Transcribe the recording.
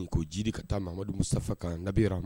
N ko jiri ka taamadumu sanfɛ kan dabi ma